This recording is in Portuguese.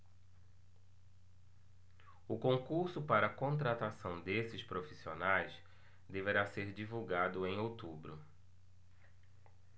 o concurso para contratação desses profissionais deverá ser divulgado em outubro